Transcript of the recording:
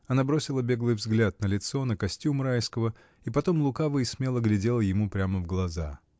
Она бросила беглый взгляд на лицо, на костюм Райского и потом лукаво и смело глядела ему прямо в глаза.